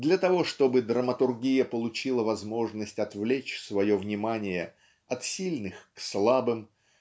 для того чтобы драматургия получила возможность отвлечь свое внимание от сильных к слабым